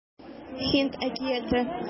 Һинд әкияте